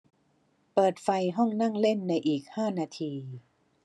เปิดไฟห้องนั่งเล่นในอีกห้านาที